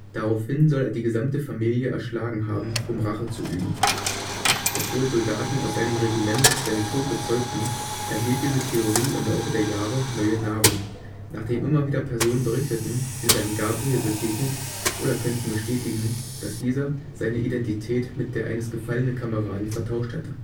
Daraufhin soll er die gesamte Familie erschlagen haben, um Rache zu üben. Obwohl Soldaten aus seinem Regiment seinen Tod bezeugten, erhielt diese Theorie im Laufe der Jahre neue Nahrung, nachdem immer wieder Personen berichteten, sie seien Gabriel begegnet oder könnten bestätigen, dass dieser seine Identität mit der eines gefallenen Kameraden vertauscht hatte